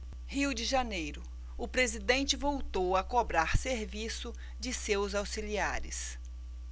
rio de janeiro o presidente voltou a cobrar serviço de seus auxiliares